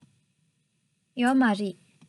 ཡོད མ རེད